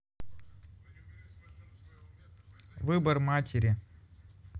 выбор матери